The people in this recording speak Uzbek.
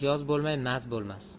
yoz bo'lmay maz bo'lmas